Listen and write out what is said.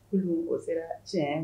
U o sera tiɲɛ